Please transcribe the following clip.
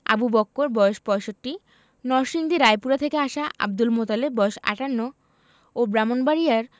আবু বক্কর বয়স ৬৫ নরসিংদী রায়পুরা থেকে আসা আবদুল মোতালেব বয়স ৫৮ ও ব্রাহ্মণবাড়িয়ার